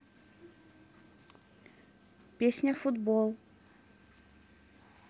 песня футбол